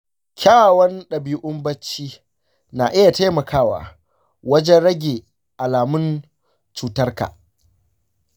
kyawawan dabi'un barci na iya taimakawa wajan rage alamun cutarka.